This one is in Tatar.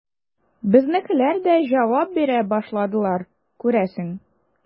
Безнекеләр дә җавап бирә башладылар, күрәсең.